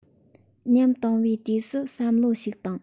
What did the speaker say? ཉམས དང བའི དུས སུ བསམ བློ ཞིག བཏང